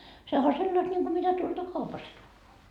sehän on sellaista niin kuin mitä tuolta kaupasta tuodaan